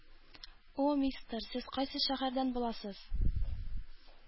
О, мистер, сез кайсы шәһәрдән буласыз?